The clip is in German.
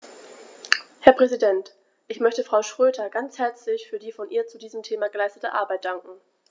Herr Präsident, ich möchte Frau Schroedter ganz herzlich für die von ihr zu diesem Thema geleistete Arbeit danken.